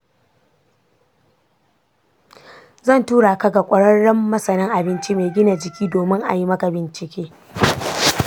zan tura ka ga ƙwararren masanin abinci mai gina jiki domin a yi maka bincike.